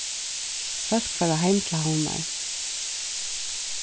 fólk fara heim til havnar